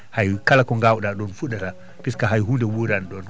hay kala ko ngaawɗaa ɗoon fuɗataa puisque hay huunde wuuraani ɗoon